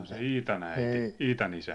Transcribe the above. se Iitan äiti Iitan isä